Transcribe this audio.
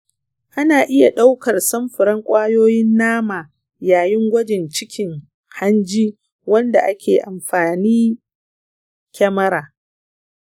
ana iya daukar samfuran kwayoyin nama yayin gwajin cikin hanji wanda ake amfani kyamara.